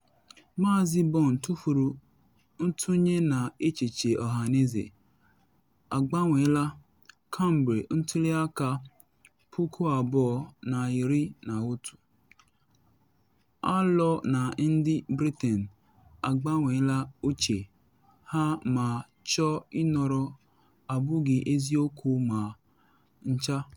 Maazị Boone tufuru ntụnye na echiche ọhaneze agbanweela kemgbe ntuli aka 2016: ‘Alo na ndị Britain agbanweela uche ha ma chọọ ịnọrọ abụghị eziokwu ma ncha.’